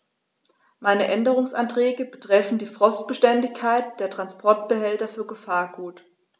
Meine Änderungsanträge betreffen die Frostbeständigkeit der Transportbehälter für Gefahrgut.